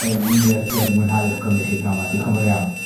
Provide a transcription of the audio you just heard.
y wir wedi mwynhau 'ych cwmni chi prnawn 'ma. Diolch yn for iawn.